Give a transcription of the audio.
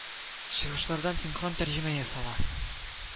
Чыгышлардан синхрон тәрҗемә ясала